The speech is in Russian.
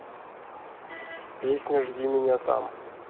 песня жди меня там